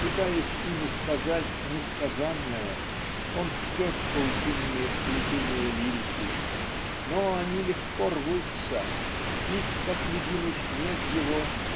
Пытаясь ими сказать несказанное, он ткет паутинные сплетения лирики. Но они легко рвутся и как любимый снег его